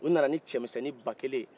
u nana ni cɛmisɛnnin ba kelen ye